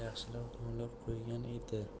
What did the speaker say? yaxshilab g'amlab qo'ygan edi